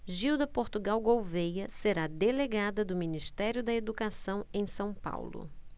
gilda portugal gouvêa será delegada do ministério da educação em são paulo